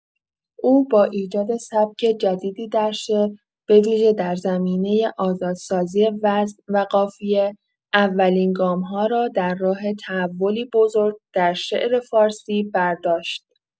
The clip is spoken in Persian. او با ایجاد سبک جدیدی در شعر، به‌ویژه در زمینۀ آزادسازی وزن و قافیه، اولین گام‌ها را در راه تحولی بزرگ در شعر فارسی برداشت.